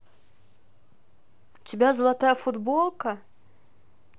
у тебя золотая футболка